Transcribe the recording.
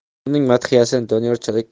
uning madhiyasini doniyorchalik